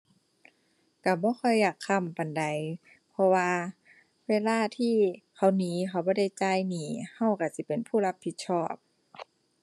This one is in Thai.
ก็บ่ค่อยอยากค้ำปานใด เพราะว่าเวลาที่เขาหนี เขาบ่ได้จ่ายหนี้ ก็ก็สิเป็นผู้รับผิดชอบ